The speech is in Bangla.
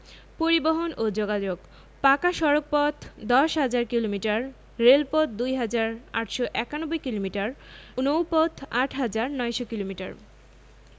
পরিবহণ ও যোগাযোগঃ পাকা সড়কপথ ১০হাজার কিলোমিটার রেলপথ ২হাজার ৮৯১ কিলোমিটার নৌপথ ৮হাজার ৯০০ কিলোমিটার